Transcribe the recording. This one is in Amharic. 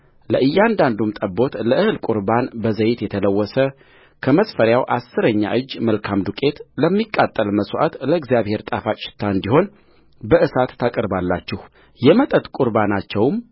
ለእያንዳንዱም ጠቦት ለእህል ቍርባን በዘይት የተለወሰ ከመስፈሪያው አሥረኛ እጅ መልካም ዱቄት ለሚቃጠል መሥዋዕት ለእግዚአብሔር ጣፋጭ ሽታ እንዲሆን በእሳት ታቀርባላችሁየመጠጥ ቍርባናቸውም